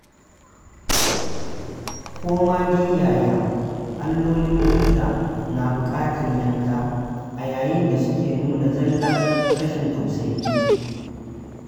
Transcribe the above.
Ko ma dai yaya, allolin biza na buƙatar yanka, a yayin da su ke nuna zallar rashin tausayi.